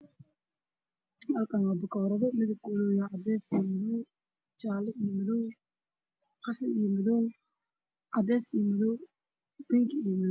Meeshaan waxaa ka muuqdo la xayeysiinayo